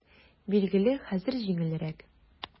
Билгеле, хәзер җиңелрәк.